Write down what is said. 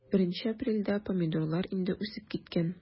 1 апрельдә помидорлар инде үсеп киткән.